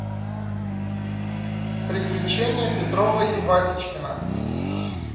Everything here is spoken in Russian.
приключения петрова и васечкина